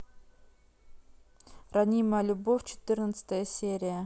ранимая любовь четырнадцатая серия